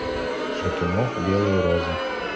шатунов белые розы